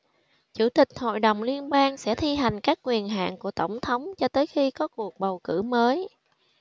chủ tịch hội đồng liên bang sẽ thi hành các quyền hạn của tổng thống cho tới khi có cuộc bầu cử mới